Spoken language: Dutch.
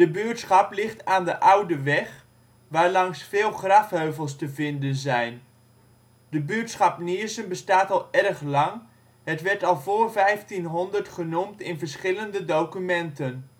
buurtschap ligt aan een oude weg, waarlangs veel grafheuvels te vinden zijn. De buurtschap Niersen bestaat al erg lang, het werd al voor 1500 genoemd in verschillende documenten